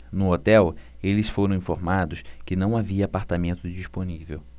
no hotel eles foram informados que não havia apartamento disponível